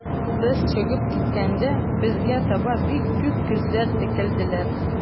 Без чыгып киткәндә, безгә таба бик күп күзләр текәлделәр.